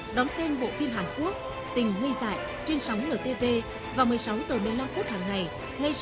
đón xem bộ phim hàn quốc tình ngây dại trên sóng nờ tê vê vào mười sáu giờ bốn lăm phút hàng ngày ngay sau